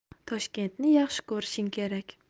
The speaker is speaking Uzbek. toshkentni yaxshi ko'rishing kerak